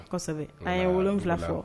A ye 7 fɔ